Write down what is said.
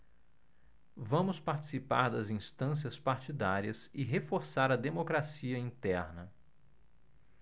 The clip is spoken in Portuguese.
vamos participar das instâncias partidárias e reforçar a democracia interna